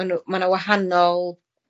ma' nw, ma' 'na wahanol